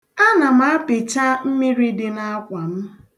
Ana m apịcha mmiri dị n'akwa m.